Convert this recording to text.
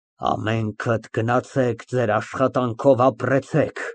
Ամենքդ գնացեք, ձեր աշխատանքով ապրեք։